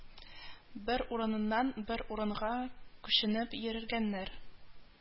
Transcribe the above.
Бер урыннан бер урынга күченеп йөргәннәр